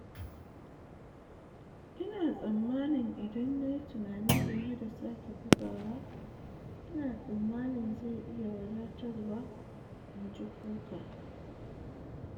"Ina tsammanin idan na yi tunani game da sake bugawa, ina tsammanin zai iya wadatarwa," in ji Coker.